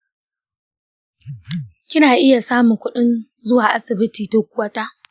kina iya samun kuɗin zuwa asibitin duk wata?